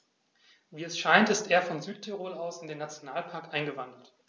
Wie es scheint, ist er von Südtirol aus in den Nationalpark eingewandert.